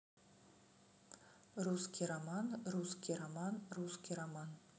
русский роман русский роман русский роман